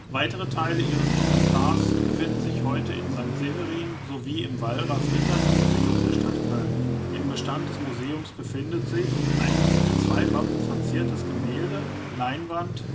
Weitere Teile ihres Inventars befinden sich heute in St. Severin, sowie im Wallraf-Richarts-Museum der Stadt Köln. In Bestand des Museums befindet sich: Ein mit zwei Wappen verziertes Gemälde (Leinwand